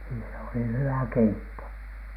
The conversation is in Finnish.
niin se oli hyvä keitto